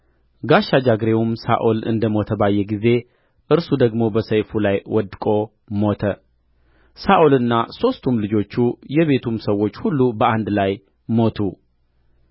ጋሻ ጃግሬውም ሳኦል እንደ ሞተ ባየ ጊዜ እርሱ ደግሞ በሰይፉ ላይ ወድቆ ሞተ ሳኦልና ሦስቱ ልጆቹ የቤቱም ሰዎች ሁሉ በአንድ ላይ ሞቱ